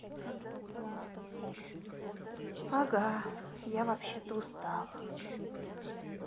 ага я вообще то устал